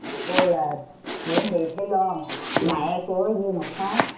cô là nguyễn thị thế loan mẹ của dương ngọc thái